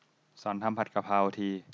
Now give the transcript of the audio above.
สอนทำผัดกะเพราที